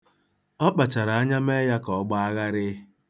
Ọ kpachara anya mee ya ka ọ gbaa gharịị.